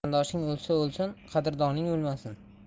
qarindoshing o'lsa o'lsin qadrdoning o'lmasin